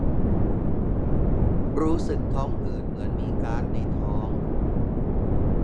รู้สึกท้องอืดเหมือนมีก๊าซในท้อง